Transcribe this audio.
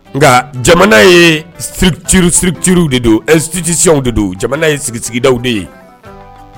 Nka jamana ye structure structure u de don institution u de don jamana ye sigi-sigidaw de ye